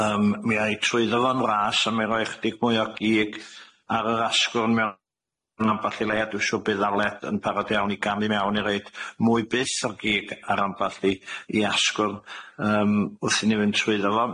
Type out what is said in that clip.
yym mi a'i trwyddo fo'n frâs a mi roi chydig mwy o gig ar yr asgwrn mewn ambell i leia dwi'n siŵr bydd Aled yn parod iawn i ganu mewn i roid mwy byth o'r gig ar ambell i i asgwrn yym wrth i ni mynd trwyddo fo.